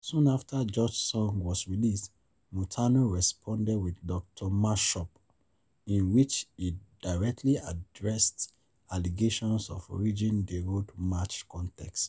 Soon after George’s song was released, Montano responded with "Dr. Mashup", in which he directly addressed allegations of rigging the Road March contest: